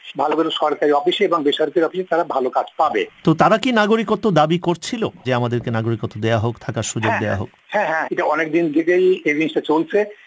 ভালো ভালো সরকারি অফিসে এবং বেসরকারি অফিসে ভালো কাজ পাবে নাগরিকত্ব দাবি করছিল যে আমাদেরকে নাগরিকত্ব দেয়া হোক থাকার সুযোগ দেয়া হোক হ্যাঁ হ্যাঁ এটা অনেকদিন ধরেই এ জিনিসটা চলছে